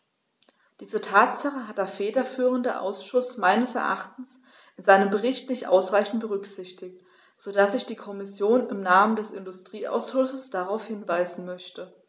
Diese Tatsache hat der federführende Ausschuss meines Erachtens in seinem Bericht nicht ausreichend berücksichtigt, so dass ich die Kommission im Namen des Industrieausschusses darauf hinweisen möchte.